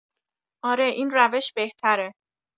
آره این روش بهتره